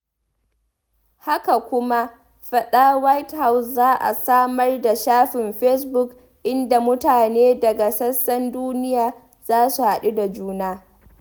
Haka kuma, Fada White House za ta samar da shafin Facebook, inda mutane daga sassan duniya za su haɗu da juna.